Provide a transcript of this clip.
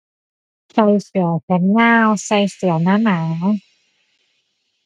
ใส่เสื้อแขนยาว ใส่เสื้อหนาหนา